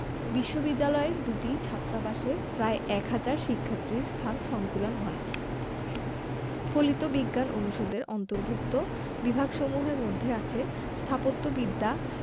বিশ্ববিদ্যালয়ের দুটি ছাত্রাবাসে প্রায় এক হাজার শিক্ষার্থীর স্থান সংকুলান হয় ফলিত বিজ্ঞান অনুষদের অন্তর্ভুক্ত বিভাগসমূহের মধ্যে আছে স্থাপত্যবিদ্যা